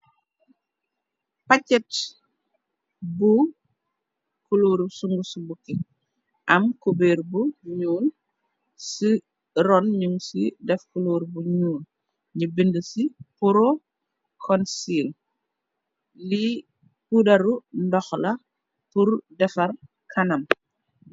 Packet bu kulooru sung su bukki am cubeer bu ñuul, ci ron ñuŋ ci def kuloor bu ñuul, ñi bindi ci poro konsill. Li pudaru ndoh la lur defar kanam.